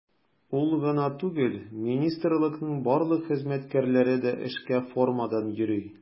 Ул гына түгел, министрлыкның барлык хезмәткәрләре дә эшкә формадан йөри.